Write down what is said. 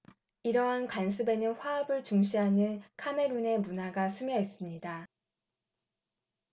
이러한 관습에는 화합을 중시하는 카메룬의 문화가 스며 있습니다